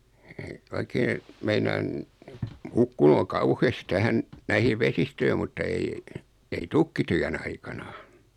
- oikein meinaan hukkunut on kauheasti tähän näihin vesistöihin mutta ei ei tykkityön aikana